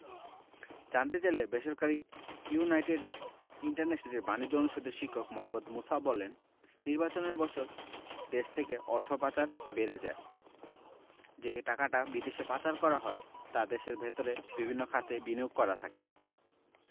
জানতে চাইলে বেসরকারি ইউনাইটেড ইন্টারন্যাশনালের বাণিজ্য অনুষদের শিক্ষক মোহাম্মদ মুসা বলেন নির্বাচনের বছর দেশ থেকে অর্থ পাচার বেড়ে যায় যে টাকাটা বিদেশে পাচার করা হয় তা দেশের ভেতরে বিভিন্ন খাতে বিনিয়োগ করা থাকে